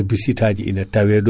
kono rawande ndeya